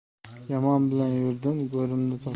yomon bilan yurdim go'rimni topdim